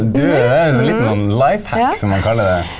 nå ja.